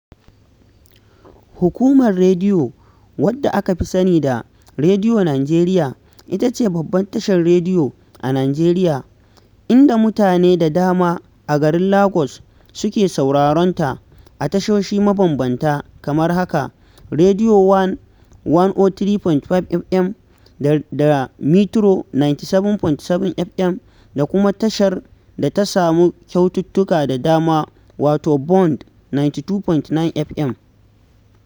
Hukumar Rediyo, wadda aka fi sani da Rediyo Najeriya ita ce babbar tashar rediyo a Najeriya, inda mutane da dama a garin Lagos suke sauraron ta a tashoshi mabambanta kamar haka: Radio One 103.5 FM da Metro 97.7 FM da kuma tashar da ta samu kyaututtuka da dama wato Bond 92.9 FM.